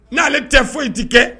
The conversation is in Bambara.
N' ale tɛ foyi tɛ kɛ